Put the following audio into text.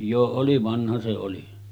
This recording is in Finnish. jo oli vanha se oli